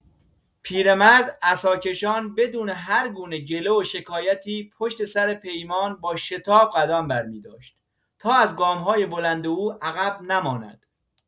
پیرمرد عصاکشان بدون هرگونه گله و شکایتی پشت‌سر پیمان با شتاب قدم برمی‌داشت تا از گام‌های بلند او عقب نماند.